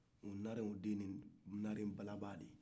o narew de de ye nare balaba ye